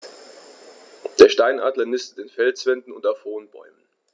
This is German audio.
Der Steinadler nistet in Felswänden und auf hohen Bäumen.